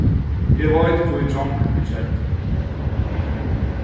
eg veit hví drongurin er keddur